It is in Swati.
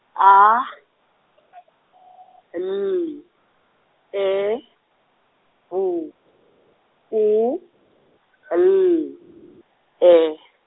A , L, E, B, U, L, E.